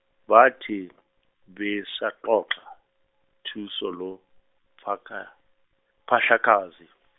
bathe besaxoxa, thushu lo- phahla phahlakazi.